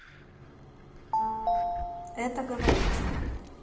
это говорите